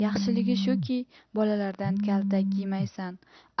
yaxshiligi shuki bolalardan kaltak yemaysan